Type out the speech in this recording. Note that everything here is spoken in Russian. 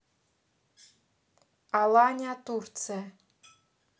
алания турция